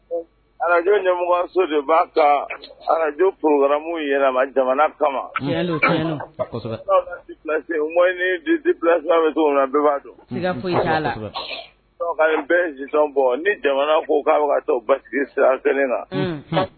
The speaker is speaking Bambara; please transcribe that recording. Arazjmɔgɔ b' arajmu yɛlɛ jamana kama bia bɛ bɔ ni jamana ko katɔ basi na